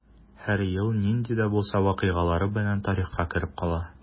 Һәр ел нинди дә булса вакыйгалары белән тарихка кереп кала.